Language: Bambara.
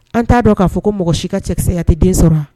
An t'a dɔn k'a fɔ ko mɔgɔ si ka cɛkisɛya tɛ den sɔrɔ